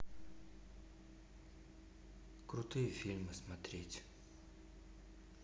крутые фильмы смотреть